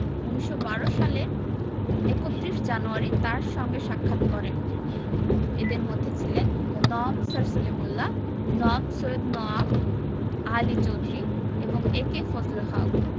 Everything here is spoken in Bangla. ১৯১২ সালের ৩১ জানুয়ারি তাঁর সঙ্গে সাক্ষাৎ করেন এঁদের মধ্যে ছিলেন নওয়াব স্যার সলিমুল্লাহ নওয়াব সৈয়দ নওয়াব আলী চৌধুরী এবং এ.কে ফজলুল হক